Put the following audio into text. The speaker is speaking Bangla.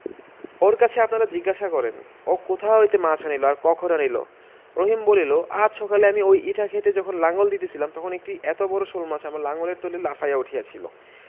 ওর কাছে আপনারা জিজ্ঞাসা করেন ও কোথা হইতে মাছ আনিল আর কখন আনিল রহিম বলিল আজ সকালে আমি ঐ ইটা ক্ষেতে যখন লাঙল দিতেছিলাম তখন একটি এত বড় শোলমাছ আমার লাঙলের তলে লাফাইয়া উঠিয়াছিল